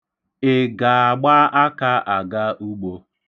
Ị ga-agba aka aga ugbo?